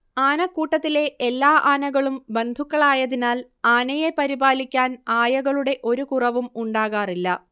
ആനക്കൂട്ടത്തിലെ എല്ലാ ആനകളും ബന്ധുക്കളായതിനാൽ ആനയെ പരിപാലിക്കാൻ ആയകളുടെ ഒരു കുറവും ഉണ്ടാകാറില്ല